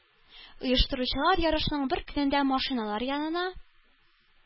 Оештыручылар ярышның бер көнендә машиналар янына